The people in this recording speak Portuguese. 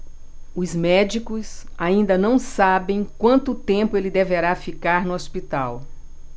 os médicos ainda não sabem quanto tempo ele deverá ficar no hospital